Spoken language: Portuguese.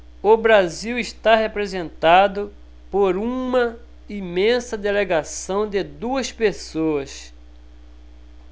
o brasil está representado por uma imensa delegação de duas pessoas